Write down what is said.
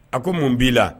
A ko mun b'i la